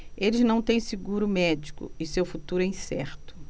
eles não têm seguro médico e seu futuro é incerto